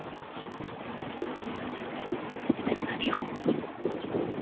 а я тебя ненавижу